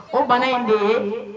O bana in de ye